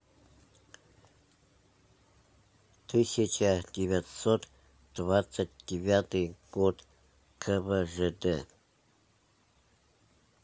тысяча девятьсот двадцать девятый год квжд